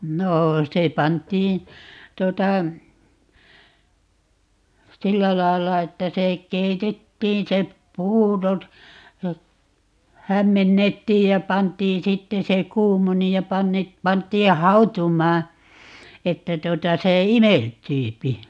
no se pantiin tuota sillä lailla että se keitettiin se puuro ja hämmennettiin ja pantiin sitten se kuumeni ja - pantiin hautumaan että tuota se imeltyy